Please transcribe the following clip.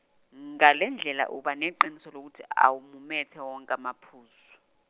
ngalendlela uba neqiniso lokuthi awumumethe wonke amaphuzu.